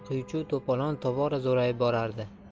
qiychuv to'polon tobora zo'rayib borardi